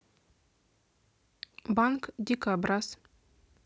банк дикобраз